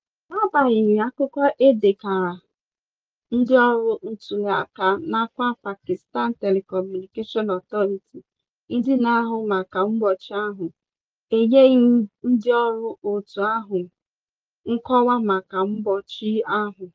N'agbanyeghị akwụkwọ e degaara ndịọrụ ntuliaka nakwa Pakistan Telecommunication Authority (ndị na-ahụ maka mgbochi ahụ), enyeghị ndịọrụ òtù ahụ nkọwa maka mgbochi ahụ.